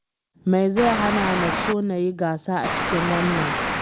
Me zai hana na so na yi gasa a cikin wannan?”